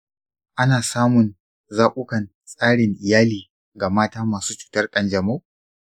ana samun zaɓukan tsarin iyali ga mata masu cutar ƙanjamau.